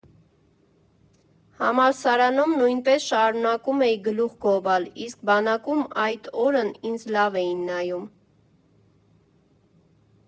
Համալսարանում նույնպես շարունակում էի գլուխ գովալ, իսկ բանակում այդ օրն ինձ լավ էին նայում։